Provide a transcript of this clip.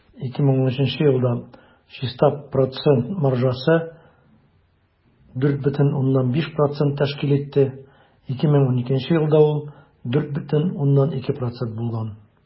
2013 елда чиста процент маржасы 4,5 % тәшкил итте, 2012 елда ул 4,2 % булган.